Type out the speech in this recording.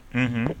Unhun